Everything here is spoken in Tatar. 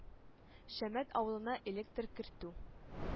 Шәммәт авылына электр кертү